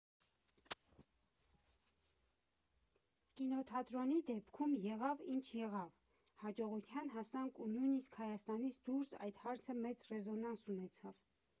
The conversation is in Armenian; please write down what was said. Կինոթատրոնի դեպքում եղավ ինչ եղավ, հաջողության հասանք ու նույնիսկ Հայաստանից դուրս այդ հարցը մեծ ռեզոնանս ունեցավ։